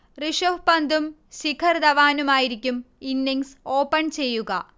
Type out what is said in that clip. ഋഷഭ് പന്തും ശിഖർ ധവാനുമായിരിക്കും innings open ചെയ്യുക